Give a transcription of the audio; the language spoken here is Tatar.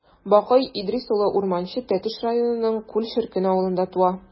Бакый Идрис улы Урманче Тәтеш районының Күл черкен авылында туа.